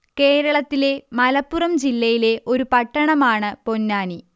കേരളത്തിലെ മലപ്പുറം ജില്ലയിലെ ഒരു പട്ടണമാണ് പൊന്നാനി